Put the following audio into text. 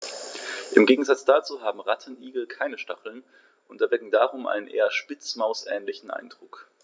Im Gegensatz dazu haben Rattenigel keine Stacheln und erwecken darum einen eher Spitzmaus-ähnlichen Eindruck.